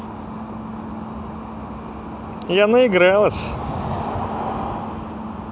я наигралась